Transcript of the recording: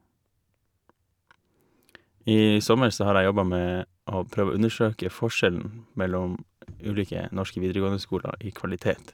I sommer så har jeg jobba med å prøve å undersøke forskjellen mellom ulike norske videregående skoler i kvalitet.